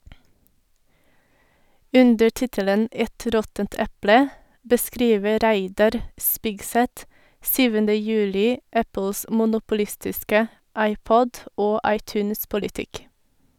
Under tittelen «Et råttent eple» beskriver Reidar Spigseth 7. juli Apples monopolistiske iPod- og iTunes-politikk.